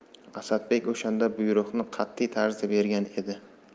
asadbek o'shanda buyruqni qat'iy tarzda bergan edi